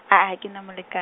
a a ha ke na moleka.